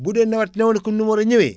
bu dee nawet ñëw na comme ni mu war a ñëwee